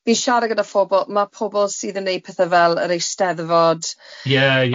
Fi'n siarad gyda phobl, ma pobol sydd yn wneud pethau fel yr Eisteddfod... Ie ie.